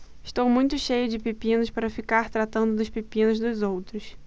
estou muito cheio de pepinos para ficar tratando dos pepinos dos outros